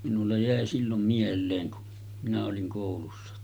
minulla jäi silloin mieleen kun minä olin koulussa